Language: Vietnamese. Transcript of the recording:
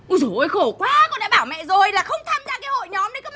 ui giồi ôi khổ quá con đã bảo mẹ rồi là không tham gia cái hội nhóm đấy cơ